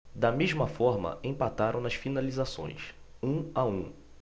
da mesma forma empataram nas finalizações um a um